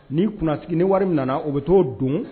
Ni kuntigi ni wari min nana o bɛ t' don